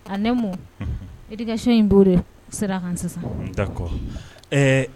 A ne ma isi in b'o sera kan sisan